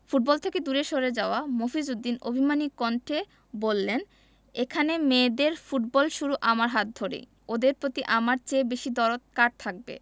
football থেকে দূরে সরে যাওয়া মফিজ উদ্দিন অভিমানী কণ্ঠে বললেন এখানে মেয়েদের ফুটবল শুরু আমার হাত ধরেই ওদের প্রতি আমার চেয়ে বেশি দরদ কার থাকবে